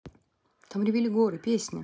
там ревели горы песня